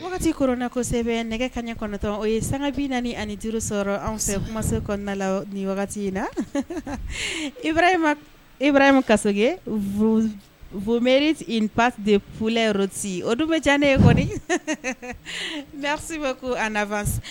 Wagati kona kosɛbɛ nɛgɛ kaɲa kɔnɔntɔn o ye sangabi naani ani duuru sɔrɔ anw fɛse kɔnɔna la ni wagati in la i bara kasiginmeri pa de plɛyɔrɔti o dun bɛ ca ne ye kɔnisi bɛ ko a nafa